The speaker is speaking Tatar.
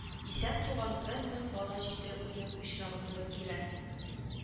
Исән туган бер мең бала җиде үлем очрагы туры килә